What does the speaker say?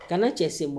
Kana cɛ se wa